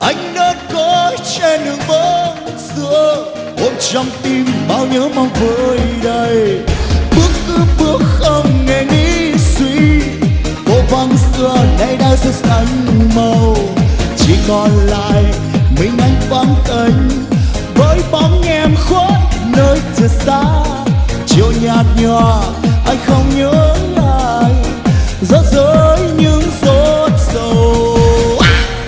anh đơn côi trên đường vắng xưa ôm trong tim bao nhớ mong vơi đầy bước cứ bước không hề nghĩ suy phố vắng xưa nay đã rất xanh màu chỉ còn lại mình anh vắng tênh với bóng em khuất nơi trời xa chiều nhạt nhòa ai khóc nhớ ai rớt rơi những giọt sầu